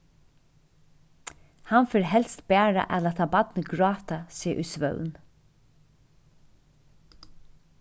hann fer helst bara at lata barnið gráta seg í svøvn